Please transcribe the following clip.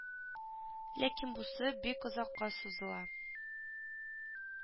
Ләкин бусы бик озакка сузыла